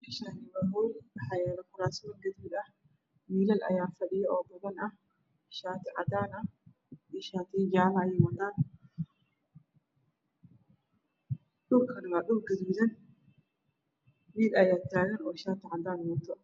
Meshani waa hool waxa yalo kursman oo gaduuud ah wll ayaa fadhiyo ooo badan shati cadan ah io shatiyo cadan ah ayey watan dhulkan waa dhul gaduudn wll aya tagan oo shti cadan ah wato